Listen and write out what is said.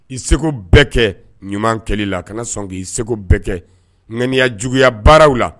I seko bɛɛ kɛ ɲuman kɛ li la, ka na sɔn ki seko bɛɛ kɛ ŋaniya juguya baaraw la